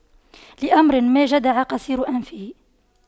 لأمر ما جدع قصير أنفه